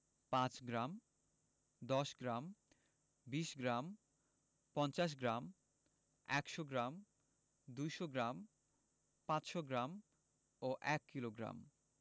৫ gram ১০গ্ৰাম ২০ gram ৫০ gram ১০০ gram ২০০ gram ৫০০ gram ও ১ kilogram